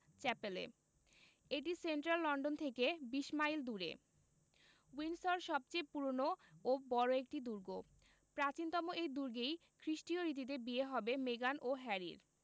চ্যাপেলে এটি central London থেকে ২০ মাইল দূরে উইন্ডসর সবচেয়ে পুরোনো ও বড় একটি দুর্গ প্রাচীনতম এই দুর্গেই খ্রিষ্টীয় রীতিতে বিয়ে হবে মেগান ও হ্যারির